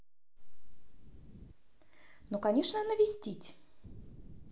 ну конечно навестить